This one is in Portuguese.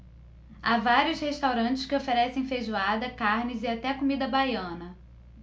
há vários restaurantes que oferecem feijoada carnes e até comida baiana